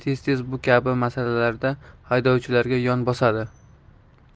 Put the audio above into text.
tez bu kabi masalalarda haydovchilarga yon bosadi